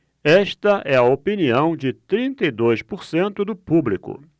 esta é a opinião de trinta e dois por cento do público